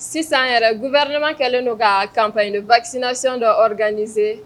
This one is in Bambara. Sisan yɛrɛ gouvernement kɛlen don kaa campagne de vaccination dɔ organisé